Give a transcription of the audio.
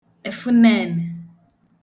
efụ neenù